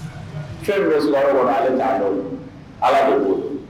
Fɛn bɛ su kɔnɔ ale' dɔn ala' bolo